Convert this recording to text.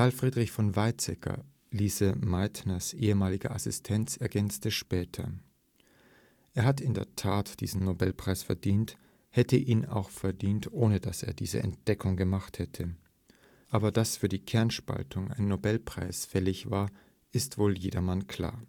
Friedrich von Weizsäcker, Lise Meitners ehemaliger Assistent, ergänzte später: „ Er hat in der Tat diesen Nobelpreis verdient, hätte ihn auch verdient, ohne daß er diese Entdeckung gemacht hätte. Aber daß für die Kernspaltung ein Nobelpreis fällig war, das war wohl jedermann klar